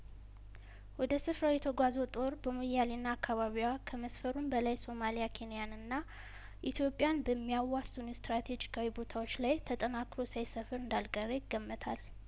ወደ ስፍራው የተጓጓዘው ጦር በሞያሌና አካባቢዋ ከመስፈሩም በላይ ሶማሊያ ኬንያን ኢትዮጵያን በሚያዋስኑ ስትራቴጂካዊ ቦታዎች ላይ ተጠናክሮ ሳይሰፍር እንዳልቀረ ይገመታል